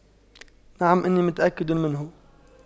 نعم أني متأكد منه